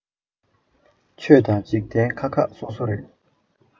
ཆོས དང འཇིག རྟེན ཁག ཁག སོ སོ རེད